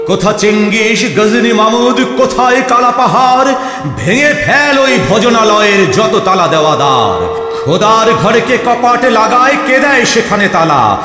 কোথা চেঙ্গিস্ গজনী মামুদ কোথায় কালাপাহাড় ভেঙে ফেল ঐ ভজনালয়ের যত তালা দেওয়া দ্বার খোদার ঘরে কে কপাট লাগায় কে দেয় সেখানে তালা